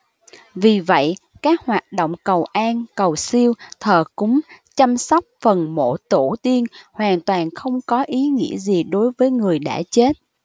vì vậy các hoạt động cầu an cầu siêu thờ cúng chăm sóc phần mộ tổ tiên hoàn toàn không có ý nghĩa gì đối với người đã chết